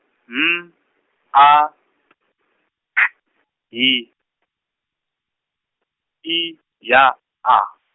M A P K H I Y A.